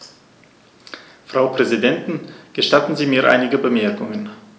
Frau Präsidentin, gestatten Sie mir einige Bemerkungen.